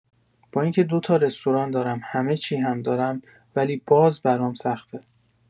با اینکه دو تا رستوران دارم، همه چی هم دارم، ولی باز برام سخته!